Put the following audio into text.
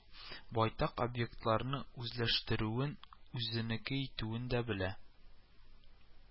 Байтак объектларны үзләштерүен, үзенеке итүен дә белә